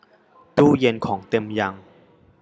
ตู้เย็นของเต็มยัง